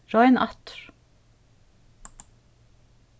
royn aftur